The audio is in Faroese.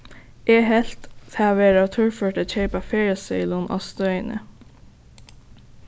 eg helt tað vera torført at keypa ferðaseðilin á støðini